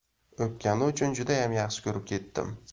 o'pgani uchun judayam yaxshi ko'rib ketdim